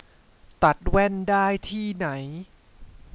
ตัดแว่นได้ที่ไหน